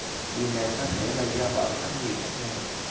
điều này có thể là do bạn có nhiều chất nhầy